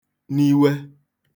niwe